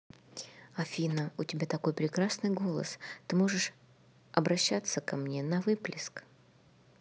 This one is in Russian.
афина у тебя такой прекрасный голос ты можешь обращаться ко мне на выплеск